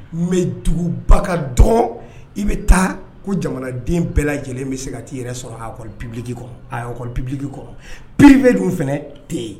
N mɛ duguba ka dɔn i bɛ taa ko jamanaden bɛɛ lajɛlen bɛ se ka taa i yɛrɛ sɔrɔ' bi bibiliki kɔnɔ bi bɛ dun fana tɛ yen